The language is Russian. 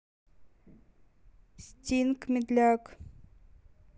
стинг медляк